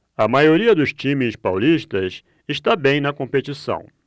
a maioria dos times paulistas está bem na competição